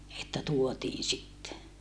että tuotiin sitten